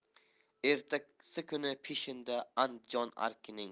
ertasi kuni peshinda andijon arkining